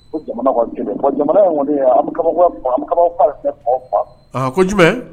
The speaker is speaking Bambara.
Jamana kɔni fa